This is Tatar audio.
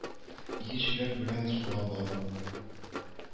Ике чиләк белән суга бару